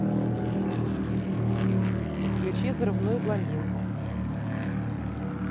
включи взрывную блондинку